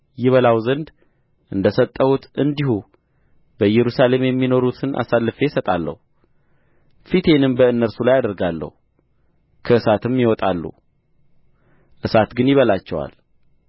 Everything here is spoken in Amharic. ይበላው ዘንድ እንደ ሰጠሁት እንዲሁ በኢየሩሳሌም የሚኖሩትን አሳልፌ እሰጣለሁ ፊቴንም በእነርሱ ላይ አደርጋለሁ ከእሳትም ይወጣሉ እሳት ግን ይበላቸዋል